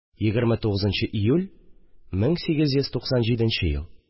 29 нчы июль, 1897 ел